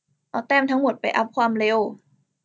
เอาแต้มทั้งหมดไปอัพความเร็ว